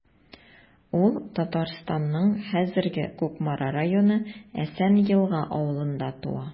Ул Татарстанның хәзерге Кукмара районы Әсән Елга авылында туа.